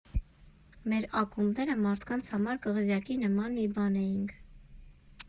Մեր ակումբները մարդկանց համար կղզյակի նման մի բան էինք։